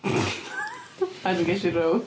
A wedyn ges i row.